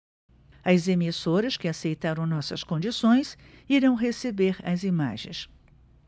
as emissoras que aceitaram nossas condições irão receber as imagens